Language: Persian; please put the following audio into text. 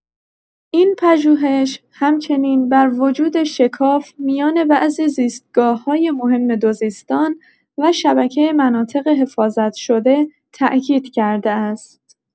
این پژوهش همچنین بر وجود شکاف میان بعضی زیستگاه‌های مهم دوزیستان و شبکه مناطق حفاظت‌شده تأکید کرده است.